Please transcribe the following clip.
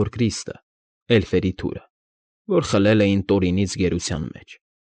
Օրկրիստը՝ էլֆերի թուրը, որ խլել էին Տորինից գերության մեջ։